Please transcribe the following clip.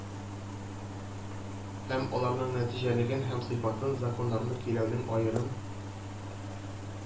Һәм аларның нәтиҗәлелеген һәм сыйфатын, законнарны көйләүнең аерым